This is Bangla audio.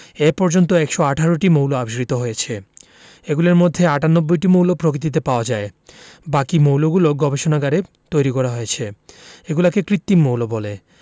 এ পর্যন্ত ১১৮টি মৌল আবিষ্কৃত হয়েছে এগুলোর মধ্যে ৯৮টি মৌল প্রকৃতিতে পাওয়া যায় বাকি মৌলগুলো গবেষণাগারে তৈরি করা হয়েছে এগুলোকে কৃত্রিম মৌল বলে